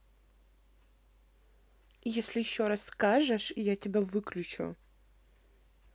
если еще раз скажешь я тебя выключу